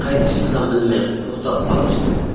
qaytishni ham bilmay to'xtab qolishdi